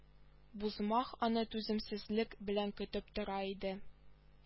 Бузмах аны түземсезлек белән көтеп тора иде